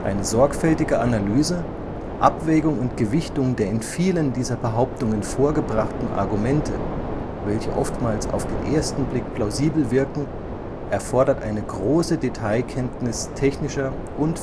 Eine sorgfältige Analyse, Abwägung und Gewichtung der in vielen dieser Behauptungen vorgebrachten Argumente – welche oftmals auf den ersten Blick plausibel wirken – erfordert eine große Detailkenntnis technischer und